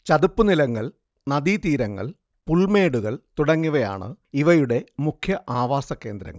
ചതുപ്പുനിലങ്ങൾ നദീതീരങ്ങൾ പുൽമേടുകൾ തുടങ്ങിയവയാണ് ഇവയുടെ മുഖ്യ ആവാസകേന്ദ്രങ്ങൾ